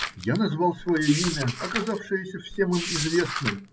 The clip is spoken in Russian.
Я назвал свое имя, оказавшееся всем им известным.